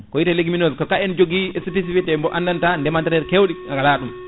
ko wiyate legumineuse ko ta en joogui statut mo wiyate mo andanɗa ndeemanterere kewɗe gaala ɗum